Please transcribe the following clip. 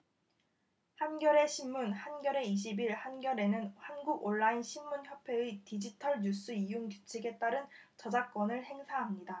한겨레신문 한겨레 이십 일 한겨레는 한국온라인신문협회의 디지털뉴스이용규칙에 따른 저작권을 행사합니다